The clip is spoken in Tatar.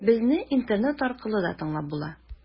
Безне интернет аркылы да тыңлап була.